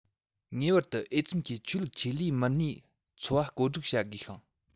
ངེས པར དུ འོས འཚམ གྱིས ཆོས ལུགས ཆེད ལས མི སྣའི འཚོ བ བཀོད སྒྲིག བྱ དགོས ཤིང